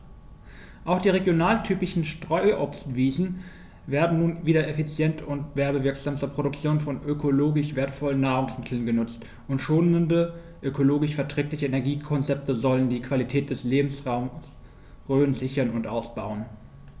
Auch die regionaltypischen Streuobstwiesen werden nun wieder effizient und werbewirksam zur Produktion von ökologisch wertvollen Nahrungsmitteln genutzt, und schonende, ökologisch verträgliche Energiekonzepte sollen die Qualität des Lebensraumes Rhön sichern und ausbauen.